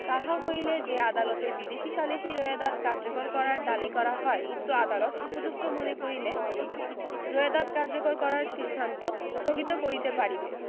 তাহা হইলে যে আদালতে বিদেশী সালিসী রোয়েদাদ কার্যকর করার দাবী করা হয় উক্ত আদালত উপযুক্ত মনে করিলে রোয়েদাদ কার্যকর করার সিদ্ধান্ত স্থগিত করিতে পারিবে